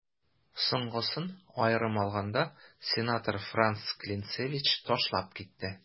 Соңгысын, аерым алганда, сенатор Франц Клинцевич ташлап китте.